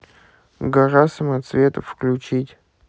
гора самоцветов включить